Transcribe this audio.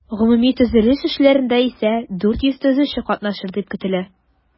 Гомуми төзелеш эшләрендә исә 400 төзүче катнашыр дип көтелә.